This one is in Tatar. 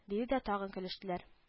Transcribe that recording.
— диде дә тагы көлештеләр